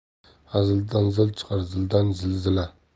hazildan zil chiqar zildan zilzila